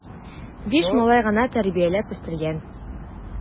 Биш малай гына тәрбияләп үстергән!